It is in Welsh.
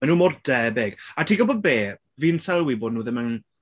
Ma' nhw mor debyg. A ti'n gwybod be? Fi'n sylwi bod nhw ddim yn...